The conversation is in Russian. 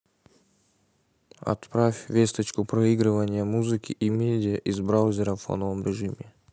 отправь весточку проигрывание музыки и медиа из браузера в фоновом режиме